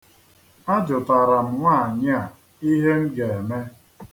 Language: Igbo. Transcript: A jụtara nwaanyị a ihe m ga-eme.